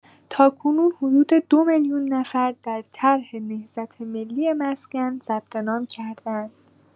تاکنون حدود ۲ میلیون نفر در طرح نهضت ملی مسکن ثبت‌نام کرده‌اند.